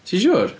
Ti'n siŵr?